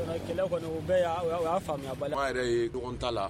Kɛlɛ kɔnɔ u bɛɛ aw y'a faamuya balima yɛrɛ ye ta la